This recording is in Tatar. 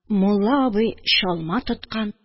Мулла абый чалма тоткан.